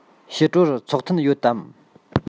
ཕྱི དྲོར ཚོགས ཐུན ཡོད དམ